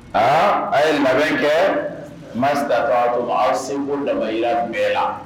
A a yelima bɛ kɛ ma k'a kun aw seko dahira tun bɛ la